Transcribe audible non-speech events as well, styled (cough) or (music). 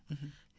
(hesitation) (hesitation)